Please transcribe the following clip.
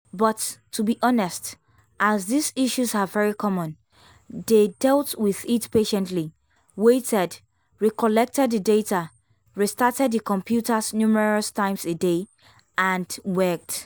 But to be honest, as these issues are very common, they dealt with it patiently, waited, re-collected the data, re-started the computers numerous times a day, and worked.